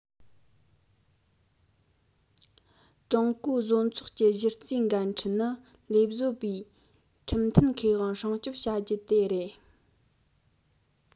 ཀྲུང གོའི བཟོ ཚོགས ཀྱི གཞི རྩའི འགན འཁྲི ནི ལས བཟོ པའི ཁྲིམས མཐུན ཁེ དབང སྲུང སྐྱོང བྱ རྒྱུ དེ རེད